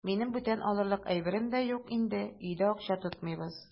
Минем бүтән алырлык әйберем дә юк инде, өйдә акча тотмыйбыз.